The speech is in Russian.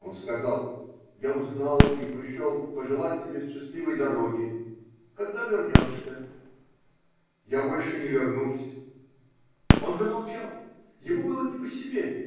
Он сказал: -- Я узнал и пришел пожелать тебе счастливой дороги. Когда вернешься? -- Я больше не вернусь. Он замолчал. Ему было не по себе.